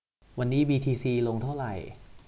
วันนี้บีทีซีลงเท่าไหร่